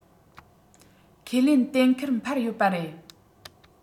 ཁས ལེན གཏན འཁེལ འཕར ཡོད པ རེད